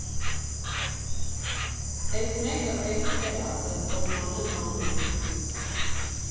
Էս մեկը պետք չէր ասել, ֊ փոշմանեց Անդոն։